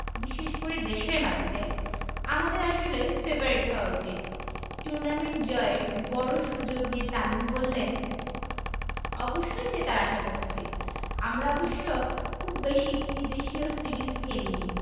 বিশেষ করে দেশের মাটিতে আমাদের আসলে ফেবারিট হওয়া উচিত টুর্নামেন্ট জয়ের বড় সুযোগ নিয়ে তামিম বললেন অবশ্যই জেতার আশা করছি আমরা অবশ্য খুব বেশি ত্রিদেশীয় সিরিজ খেলেনি